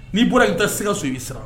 N'i bɔra i taa sɛgɛ so i'i sara